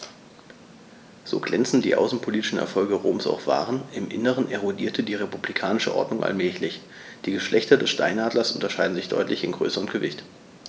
So glänzend die außenpolitischen Erfolge Roms auch waren: Im Inneren erodierte die republikanische Ordnung allmählich. Die Geschlechter des Steinadlers unterscheiden sich deutlich in Größe und Gewicht.